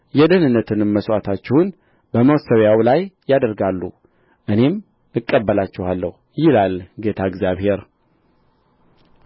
የደኅንነትንም መሥዋዕታችሁን በመሠዊያው ላይ ያደርጋሉ እኔም እቀበላችኋለሁ ይላል ጌታ እግዚአብሔር